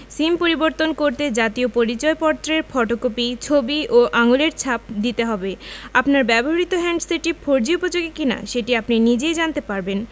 সিম পরিবর্তন করতে জাতীয় পরিচয়পত্রের ফটোকপি ছবি ও আঙুলের ছাপ দিতে হবে আপনার ব্যবহৃত হ্যান্ডসেটটি ফোরজি উপযোগী কিনা সেটি আপনি নিজেই জানতে পারবেন